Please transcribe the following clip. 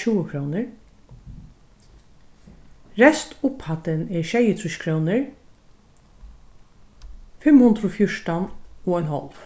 tjúgukrónur restupphæddin er sjeyogtrýss krónur fimm hundrað og fjúrtan og ein hálv